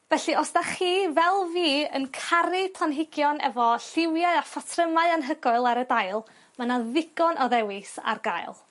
Felly os 'dach chi fel fi yn caru planhigion efo lliwiau a phatrymau anhygoel ar y dail ma' 'na ddigon o ddewis ar gael.